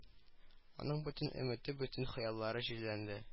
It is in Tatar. Аның бөтен өмете бөтен хыяллары җирләнде